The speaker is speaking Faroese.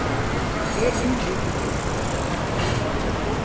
eg innriti her